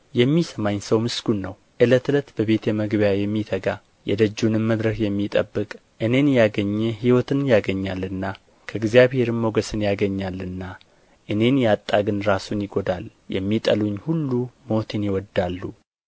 የሚሰማኝ ሰው ምስጉን ነው ዕለት ዕለት በቤቴ መግቢያ የሚተጋ የደጄንም መድረክ የሚጠብቅ እኔን ያገኘ ሕይወትን ያገኛልና ከእግዚአብሔርም ሞገስን ያገኛልና እኔን ያጣ ግን ራሱን ይጐዳል የሚጠሉኝ ሁሉ ሞትን ይወድዳሉ